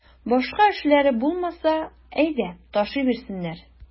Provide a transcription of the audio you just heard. Башка эшләре булмаса, әйдә ташый бирсеннәр.